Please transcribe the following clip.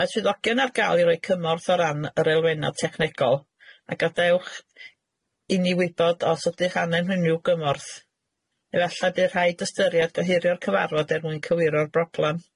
Mae swyddogion ar gal i roi cymorth o ran yr elfennau technegol, a gadewch i ni wybod os ydych angen unrhyw gymorth, efallai dy rhaid ystyried gyheirio'r cyfarfod er mwyn cywiro'r broblam.